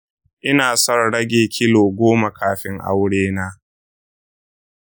ina son rage kilo goma kafin aurena.